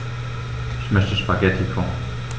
Ich möchte Spaghetti kochen.